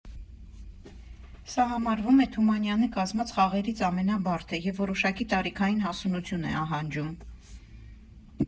Սա համարվում է Թումանյանի կազմած խաղերից ամենաբարդը և որոշակի տարիքային հասունություն է ահանջում։